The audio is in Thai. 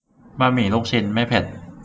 บะหมี่ลูกชิ้นไม่เผ็ด